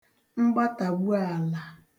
mgbatàgbu àlà